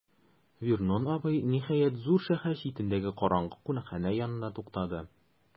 Вернон абый, ниһаять, зур шәһәр читендәге караңгы кунакханә янында туктады.